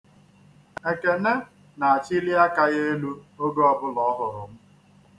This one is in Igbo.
Ekene na-achịli aka elu oge ọbụla ọ hụrụ m.